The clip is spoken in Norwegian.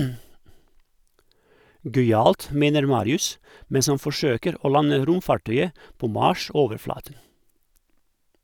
- Gøyalt, mener Marius, mens han forsøker å lande romfartøyet på Mars-overflaten.